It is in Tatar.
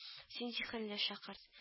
– син зиһенле шәкерт